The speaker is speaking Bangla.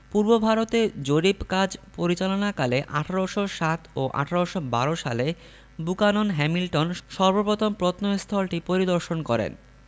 পূর্বভারতে জরিপ কাজ পরিচালনাকালে ১৮০৭ ও ১৮১২ সালে বুকানন হ্যামিল্টন সর্ব প্রথম প্রত্নস্থলটি পরিদর্শন করেন